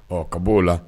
Ɔ ka b'o la